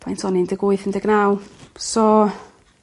faint o'n i un deg wyth un deg naw? So